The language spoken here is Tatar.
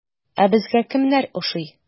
Ә безгә кемнәр ошый?